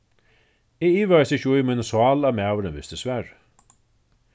eg ivaðist ikki í míni sál at maðurin visti svarið